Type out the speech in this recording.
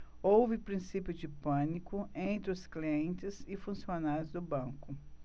houve princípio de pânico entre os clientes e funcionários do banco